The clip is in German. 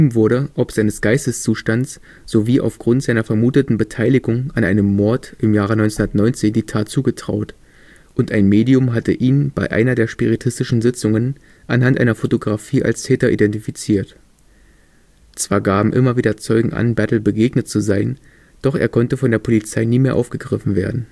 wurde ob seines Geisteszustands sowie aufgrund seiner vermuteten Beteiligung an einem Mord im Jahre 1919 die Tat zugetraut, und ein Medium hatte ihn bei einer der spiritistischen Sitzungen anhand einer Fotografie als Täter identifiziert. Zwar gaben immer wieder Zeugen an, Bärtl begegnet zu sein, doch er konnte von der Polizei nie mehr aufgegriffen werden